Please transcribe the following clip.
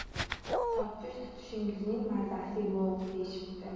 topish tutishingizning mazasi yo'q deyishibdi